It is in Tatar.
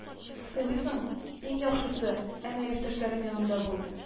Сыйлысың, иң яхшысы, әнә яшьтәшләрең янында бул